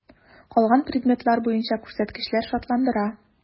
Калган предметлар буенча күрсәткечләр шатландыра.